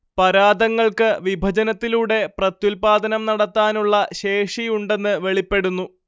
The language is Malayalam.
പരാദങ്ങൾക്ക് വിഭജനത്തിലൂടെ പ്രത്യുത്പാദനം നടത്താനുള്ള ശേഷിയുണ്ടെന്ന് വെളിപ്പെടുന്നു